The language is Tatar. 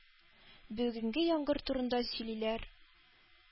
Бүгенге янгын турында сөйлиләр,